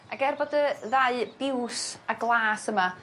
Ag er bod y ddau biws a glas yma